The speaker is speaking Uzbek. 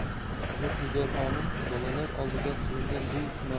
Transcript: qutlug' nigor xonim bolalar oldida qilingan